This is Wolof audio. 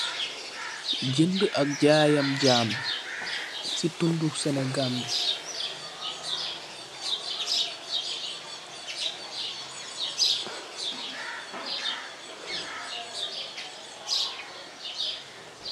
Jeundu ak jaaayam jaam, ci dundu Senegambie.